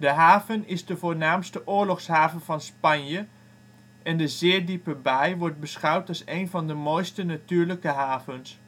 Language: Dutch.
haven is de voornaamste oorlogshaven van Spanje en de zeer diepe baai wordt beschouwd als een van de mooiste natuurlijke havens